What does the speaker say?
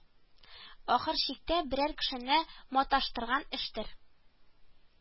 Ахыр чиктә берәр кеше маташтырган эштер